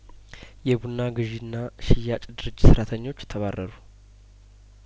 የቡና ግዢና ሽያጭ ድርጅት ሰራተኞች ተባረሩ